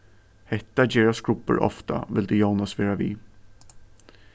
hetta gera skrubbur ofta vildi jónas vera við